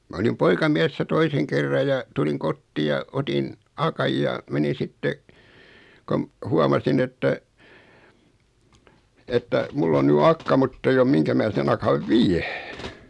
minä olin poikamiehenä toisen kerran ja tulin kotiin ja otin akan ja menin sitten kun huomasin että että minulla on nyt akka mutta ei ole mihinkä minä sen akan vien